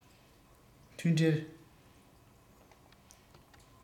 མཐུན སྒྲིལ